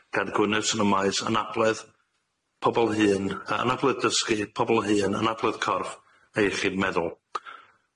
Gan gwynws yn y maes anabledd pobol hŷn, yy anabledd dysgu pobol hŷn, anabledd corff a iechyd meddwl.